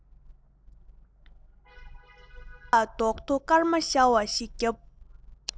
མགོ ལ རྡོག ཐོ སྐར མ ཤར བ ཞིག བརྒྱབ